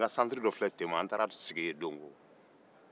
an ka santiri dɔ filɛ tema an taara a sigi yen dongo